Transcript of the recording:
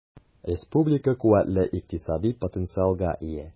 Республика куәтле икътисади потенциалга ия.